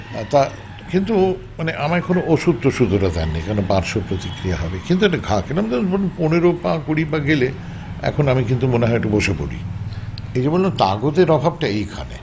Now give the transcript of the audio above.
তা কিন্তু আমায় কোন ওষুধ টষুধ ওরা দেননি কেন না পার্শপ্রতিক্রিয়া হবে কিন্তু একটা ঘা কিন্তু ১৫ পা বা কুড়ি পা গেলে এখন আমি কিন্তু মনে হয় একটু বসে পড়ি এ যে বললাম তাগদের অভাবটা এখানে